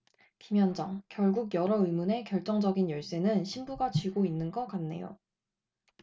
김현정 결국 여러 의문의 결정적인 열쇠는 신부가 쥐고 있는 거 같네요